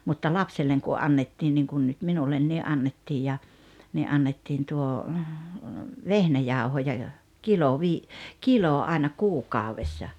mutta lapselle kun annettiin niin kuin nyt minulle annettiin ja niin annettiin tuo vehnäjauhoja jo kilo - kilo aina kuukaudessa